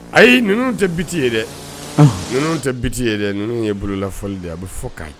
Ayi nunun tɛ biti ye dɛ. Nunun tɛ biti ye dɛ. n. Nunun ye bolola fɔli de ye . A bi fɔ ka